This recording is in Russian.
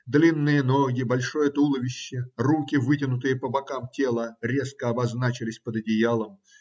Длинные ноги, большое туловище, руки, вытянутые по бокам тела, резко обозначились под одеялом.